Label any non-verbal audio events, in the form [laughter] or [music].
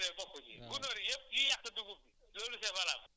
sauf picc yi picc yi daal moom yooyu moom bokku si [laughs]